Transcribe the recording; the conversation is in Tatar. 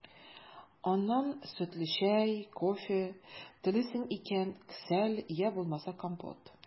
Аннан сөтле чәй, кофе, телисең икән – кесәл, йә булмаса компот.